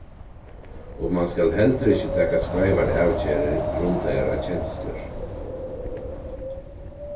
og mann skal heldur ikki taka skeivar avgerðir grundaðar á kenslur